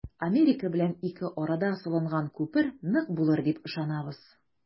Америка белән ике арада салынган күпер нык булыр дип ышанабыз.